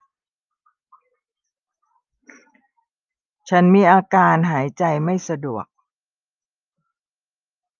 ฉันมีอาการหายใจไม่สะดวก